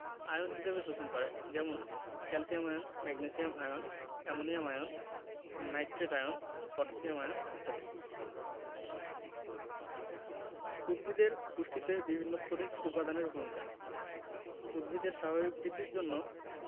ion হিসেবে শোষণ করে যেমন calcium ion magnesium ion ammonium ion nitrate ion potassium ion ইত্যাদি উদ্ভিদের পুষ্টিতে বিভিন্ন খনিজ উপাদানের ভূমিকা উদ্ভিদের স্বাভাবিক বৃদ্ধির জন্য